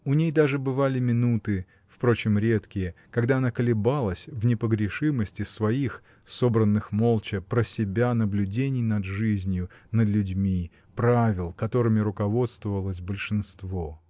У ней даже бывали минуты, впрочем редкие, когда она колебалась в непогрешимости своих собранных молча, про себя, наблюдений над жизнью, над людьми, правил, которыми руководствовалось большинство.